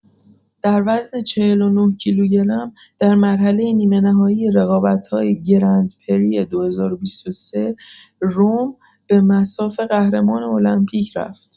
در وزن ۴۹ - کیلوگرم، در مرحله نیمه‌نهایی رقابت‌های گرندپری ۲۰۲۳ رم به مصاف قهرمان المپیک رفت.